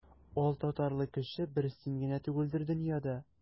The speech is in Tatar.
Алтатарлы кеше бер син генә түгелдер дөньяда.